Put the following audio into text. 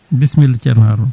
bisimilla ceerno Harouna